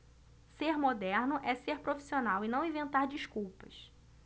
ser moderno é ser profissional e não inventar desculpas